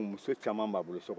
muso caman b'a bolo so kɔnɔ